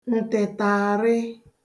ǹtị̀tààrị